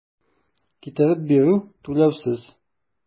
Китереп бирү - түләүсез.